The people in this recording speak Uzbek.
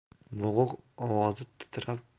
bo'g'iq ovozi titrab